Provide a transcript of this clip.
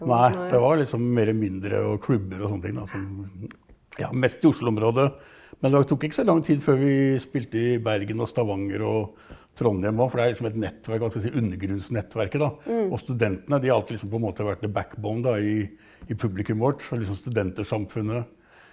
nei det var liksom mere mindre og klubber og sånne ting da som ja mest i Oslo-området, men det tok ikke så lang tid før vi spilte i Bergen og Stavanger og Trondheim òg for det er liksom et nettverk, hva skal man si, undergrunnsnettverket da, og studentene de har alltid liksom på en måte vært da i i publikumet vårt og og liksom studentersamfunnet.